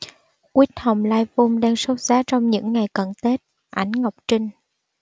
quýt hồng lai vung đang sốt giá trong những ngày cận tết ảnh ngọc trinh